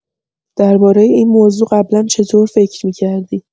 درباره این موضوع قبلا چه‌طور فکر می‌کردی؟